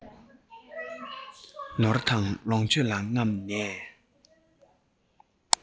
ནོར དང ལོངས སྤྱོད ལ རྔམ ནས